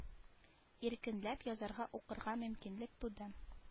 Иркенләп язарга укырга мөмкинлек туды